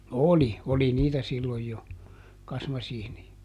oli oli niitä silloin jo kasmasiineja